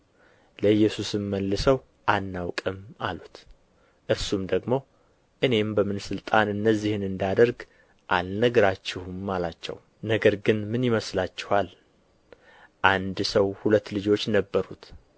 ለኢየሱስም መልሰው አናውቅም አሉት እርሱም ደግሞ እኔም በምን ሥልጣን እነዚህን እንዳደርግ አልነግራችሁም አላቸው ነገር ግን ምን ይመስላችኋል አንድ ሰው ሁለት ልጆች ነበሩት